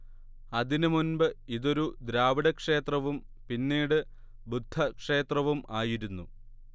അതിനുമുൻപ് ഇതൊരു ദ്രാവിഡക്ഷേത്രവും പിന്നീട് ബുദ്ധക്ഷേത്രവും ആയിരുന്നു